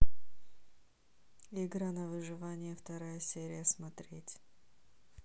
игра на выживание вторая серия смотреть